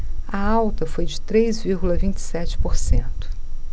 a alta foi de três vírgula vinte e sete por cento